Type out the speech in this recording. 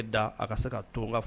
Da a ka se ka to ka